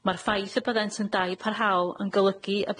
Ma'r ffaith y byddent yn dai parhaol yn golygu y